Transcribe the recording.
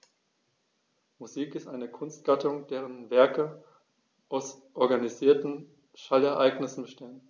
Musik ist eine Kunstgattung, deren Werke aus organisierten Schallereignissen bestehen.